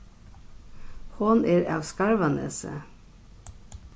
hon er av skarvanesi